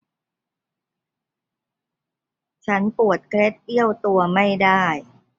ฉันปวดเคล็ดเอี้ยวตัวไม่ได้